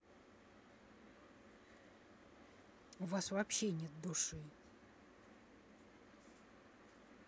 у вас вообще нет души